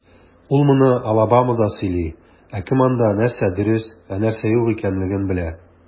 Ул моны Алабамада сөйли, ә кем анда, нәрсә дөрес, ә нәрсә юк икәнлеген белә?